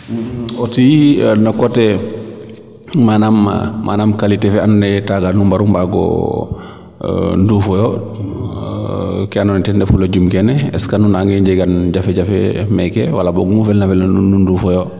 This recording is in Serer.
aussi no qualité fee aussi ando naye taaga nu mbaru mbaago nduufo yo ke ando naye ten refu lujum keene est cde nu naange njegan jafe jafe meeke wala boog mu felna fela nuun nu ndufoyo